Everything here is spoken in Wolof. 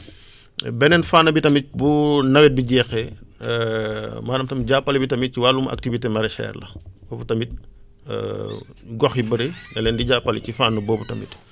beneen fànn bi tamit bu nawet bi jeexee maanaam tamit jàppale bi tamit wàllum activité maraichère la foofu tamit gox yu bëri da leen di jàppale ci fànn boobu tamit